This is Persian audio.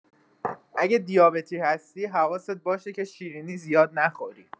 اگه دیابتی هستی، حواست باشه که شیرینی زیاد نخوری.